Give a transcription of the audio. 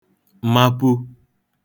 mapu